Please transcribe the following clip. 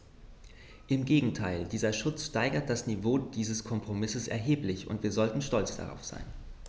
Im Gegenteil: Dieser Schutz steigert das Niveau dieses Kompromisses erheblich, und wir sollten stolz darauf sein.